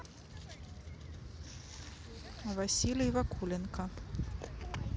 василий вакуленко